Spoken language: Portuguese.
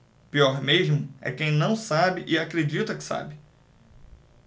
pior mesmo é quem não sabe e acredita que sabe